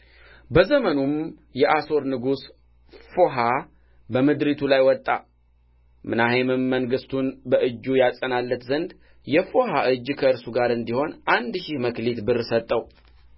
በዘመኑም የአሦር ንጉሥ ፎሐ በምድሪቱ ላይ ወጣ ምናሔምም መንግሥቱን በእጁ ያጸናለት ዘንድ የፎሐ እጅ ከእርሱ ጋር እንዲሆን አንድ ሺህ መክሊት ብር ሰጠው